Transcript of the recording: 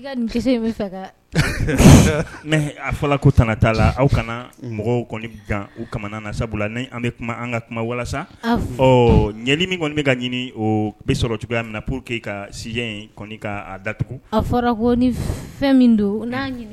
A fɔra ko tan t'a la aw kana mɔgɔw kɔni u ka na sabula ni an bɛ an ka kuma walasa ɲli min kɔni bɛ ka ɲini o bi sɔrɔ cogoyaya na pour que ka si in kɔni k kaa dat a fɔra ko ni fɛn min don